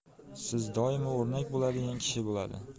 siz doimo o'rnak bo'ladigan kishi bo'ladi